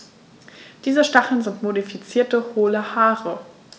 Diese Stacheln sind modifizierte, hohle Haare.